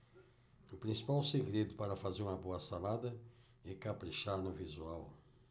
o principal segredo para fazer uma boa salada é caprichar no visual